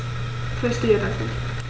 Verstehe das nicht.